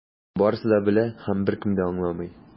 Барысы да белә - һәм беркем дә аңламый.